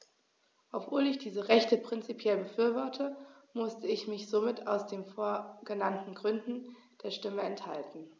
Obwohl ich diese Rechte prinzipiell befürworte, musste ich mich somit aus den vorgenannten Gründen der Stimme enthalten.